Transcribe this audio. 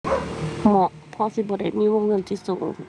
เหมาะ เพราะสิบ่ได้มีวงเงินที่สูง